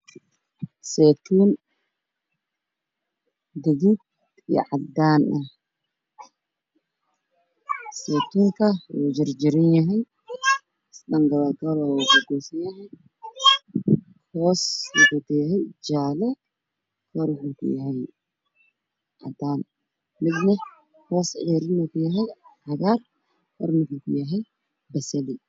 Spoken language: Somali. Waa seytuun gaduud iyo cadaan ah. Seytuunka waa jarjaran yahay mid hoos waxuu kayahay jaale marna cadaan, midna hoos waxuu kayahay cagaar korna basali.